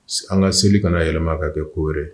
An ka seli kana yɛlɛma ka kɛ koɛrɛ